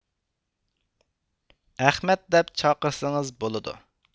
ئەخمەت دەپ چاقىرسىڭىز بولىدۇ